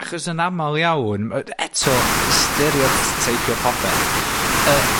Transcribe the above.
Achos yn amal iawn ma-... Eto yy sterio t- teipio popeth y